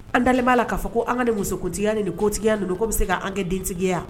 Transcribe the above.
An dalen b'a la k'a fɔ ko an ka ni musotigiya ni kotigiya don ko bɛ se ka an kɛ dentigiya